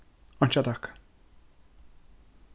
einki at takka